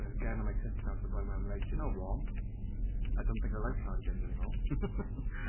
And I was getting on my tits down to the point where I'm like do you know what? I don't think I like cardigans any more .